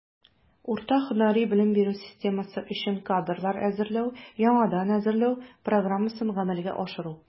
Урта һөнәри белем бирү системасы өчен кадрлар әзерләү (яңадан әзерләү) программасын гамәлгә ашыру.